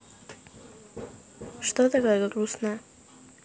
что такая грустная